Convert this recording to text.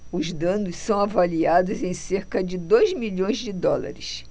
os danos são avaliados em cerca de dois milhões de dólares